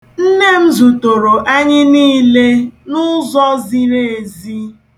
Nne m zụtoro anyị niile n'ụzọ ziri ezi.